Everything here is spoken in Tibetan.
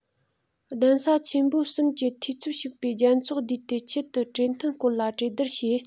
གདན ས ཆེན པོ གསུམ གྱི འཐུས ཚབ ཞུགས པའི རྒྱལ ཚོགས བསྡུས ཏེ ཆེད དུ གྲོས མཐུན སྐོར ལ གྲོས སྡུར བྱས